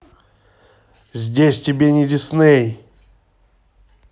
здесь тебе не disney